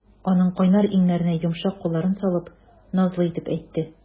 Аның кайнар иңнәренә йомшак кулларын салып, назлы итеп әйтте.